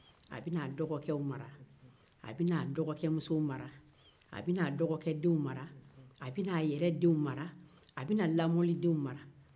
a bɛna a dɔgɔkɛw mara a bɛna a dɔgɔkɛmusow mara a bɛna a dɔgɔkɛden mara a bɛna a yɛrɛ den mara a bɛna lamɔniden mara